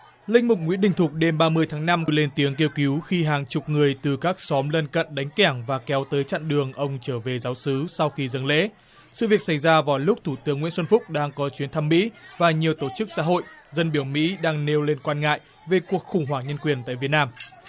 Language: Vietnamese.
linh mục nguyễn đình thục đêm ba mươi tháng năm vừa lên tiếng kêu cứu khi hàng chục người từ các xóm lân cận đánh kẻng và kéo tới chặn đường ông trở về giáo xứ sau khi dâng lễ sự việc xảy ra vào lúc thủ tướng nguyễn xuân phúc đang có chuyến thăm mỹ và nhiều tổ chức xã hội dân biểu mỹ đang nêu lên quan ngại về cuộc khủng hoảng nhân quyền tại việt nam